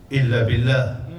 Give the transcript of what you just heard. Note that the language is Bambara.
Inna lilaahi